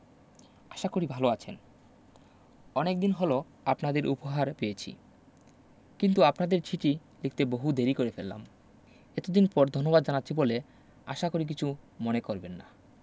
আশা করি ভালো আছেন অনেকদিন হল আপনাদের উপহার পেয়েছি কিন্তু আপনাদের চিটি লিখতে বহু দেরী করে ফেললাম এতদিন পরে ধন্যবাদ জানাচ্ছি বলে আশা করি কিছু মনে করবেন না